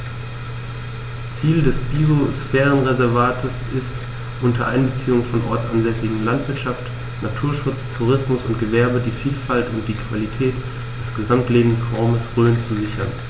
Ziel dieses Biosphärenreservates ist, unter Einbeziehung von ortsansässiger Landwirtschaft, Naturschutz, Tourismus und Gewerbe die Vielfalt und die Qualität des Gesamtlebensraumes Rhön zu sichern.